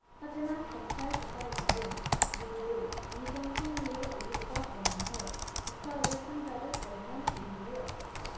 하지만 검찰 조사에서는 누구도 이 전 총리의 의혹과 관련해 비타 오백 상자를 거론한 인물이 없었다